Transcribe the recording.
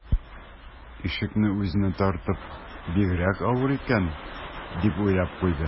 Ишекне үзенә тартып: «Бигрәк авыр икән...», - дип уйлап куйды